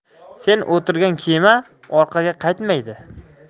sen o'tirgan kema orqaga qaytmaydi